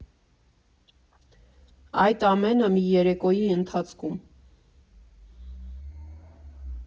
Այդ ամենը՝ մի երեկոյի ընթացքում։